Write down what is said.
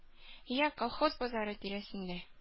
Йә колхоз базары тирәсендә